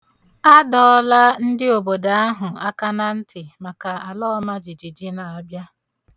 Adọọla ndị obodo ahụ aka na nti maka alọọmajijiji na-abia.